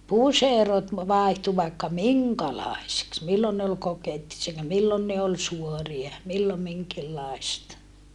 puserot vaihtui vaikka minkälaisiksi milloin ne oli kokettiset ja milloin ne oli suoria milloin minkinlaista